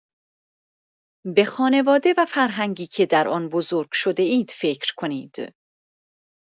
به خانواده و فرهنگی که در آن بزرگ شده‌اید فکر کنید.